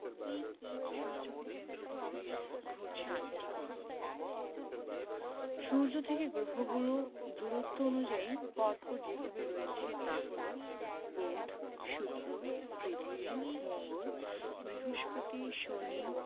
সূর্যকে কেন্দ্র করে ঘুরছে আটটি গ্রহ সূর্য থেকে গ্রহগুলো দূরত্ব অনুযায়ী পর পর যেভাবে রয়েছে তা হলো বুধ শুক্র পৃথিবী মঙ্গল বৃহস্পতি শনি